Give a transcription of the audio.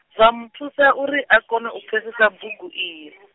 zwa mu thusa uri a kone u pfesesa bugu iyi.